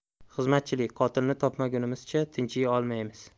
xizmatchilik qotilni topmagunimizcha tinchiy olmaymiz